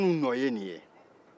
ko jɔnniw nɔ ye nin ye